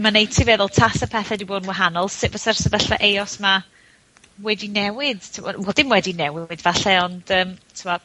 Ma'n neu' ti feddwl tase pethe 'di bod yn wahanol, sut fyse'r sefyllfa Eos 'ma wedi newid, t'bod, we- dim wedi newid falle, ond yym,